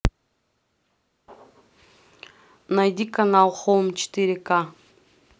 найди канал хоум четыре ка